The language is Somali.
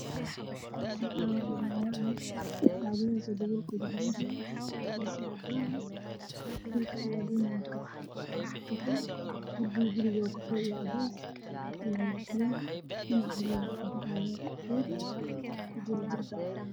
Bishaan waxaa ka muuqda laba garaafo oo midabkoodii cadaan furkoobin waa gaduud waxaana saaranyihiin miis qaxo